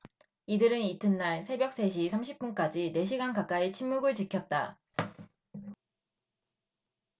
이들은 이튿날 새벽 세 시 삼십 분까지 네 시간 가까이 침묵을 지켰다